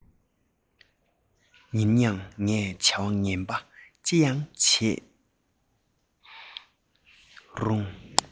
ཡིན ཡང ངས བྱ བ ངན པ ཅི བྱས ཀྱང རུང